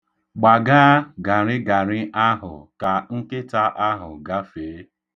Gbagaa garịgarị ahụ ka nkịta ahụ gafee.